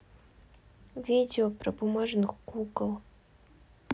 видео про бумажных кукол